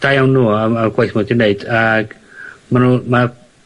Da iawn nw am y gwaith ma' nw 'di wneud ag ma' nw ma'